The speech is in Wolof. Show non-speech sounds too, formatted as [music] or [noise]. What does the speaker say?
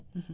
[hesitation] [hesitation]